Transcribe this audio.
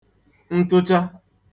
ntụcha